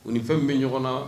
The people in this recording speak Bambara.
U ni fɛn bɛ ɲɔgɔn na